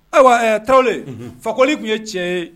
Ayiwa tarawele fakoli tun ye tiɲɛ ye